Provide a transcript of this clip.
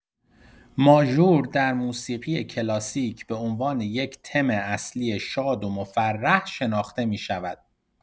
ماژور در موسیقی کلاسیک به عنوان یک تم اصلی شاد و مفرح شناخته می‌شود.